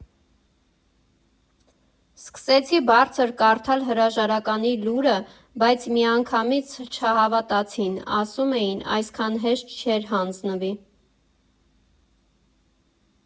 Սկսեցի բարձր կարդալ հրաժարականի լուրը, բայց միանգամից չհավատացին, ասում էին՝ այսքան հեշտ չէր հանձնվի։